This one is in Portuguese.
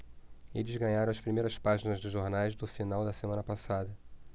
eles ganharam as primeiras páginas dos jornais do final da semana passada